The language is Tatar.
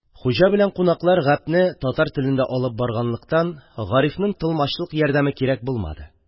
Хуҗа белән кунаклар гәпне татар телендә алып барганлыктан, Гарифның тылмачлык ярдәме кирәк булмады.